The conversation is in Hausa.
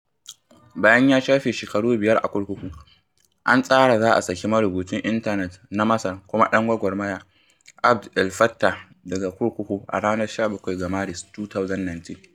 Bayan ya shafe shekaru biyar a kurkuku, an tsara za a saki marubucin intanet na Masar kuma ɗan gwagwarmaya, Abd El Fattah daga kurkuku a ranar 17 ga Maris, 2019.